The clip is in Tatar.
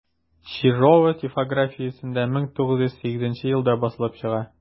Чижова типографиясендә 1908 елда басылып чыга.